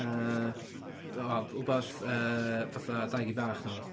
yy o wbath, yy fatha dau gi bach neu wbath.